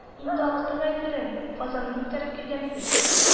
Инде актык әйберен – казанын күтәреп килгән иде